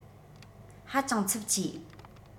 ཧ ཅང འཚུབ ཆེ